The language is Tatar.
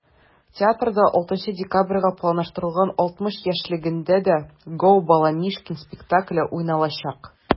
Театрда 6 декабрьгә планлаштырылган 60 яшьлегендә дә “Gо!Баламишкин" спектакле уйналачак.